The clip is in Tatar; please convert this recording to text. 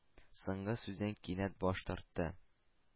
Соңгы сүздән кинәт баш тартты.